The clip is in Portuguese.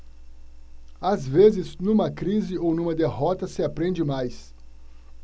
às vezes numa crise ou numa derrota se aprende mais